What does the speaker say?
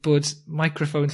bod meicroffon...